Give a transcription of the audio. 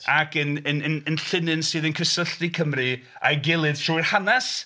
Ac yn yn yn yn llinyn sydd yn cysylltu Cymru a'i gilydd trwy'r hanes.